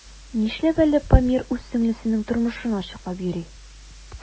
Нишләп әле Памир үз сеңлесенең тормышын ачыклап йөри?